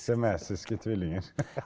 siamesiske tvillinger .